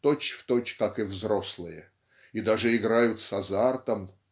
точь-в-точь как и взрослые и даже играют с азартом